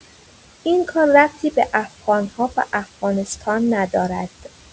این کار ربطی به افغان‌ها و افغانستان ندارد.